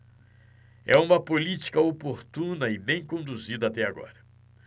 é uma política oportuna e bem conduzida até agora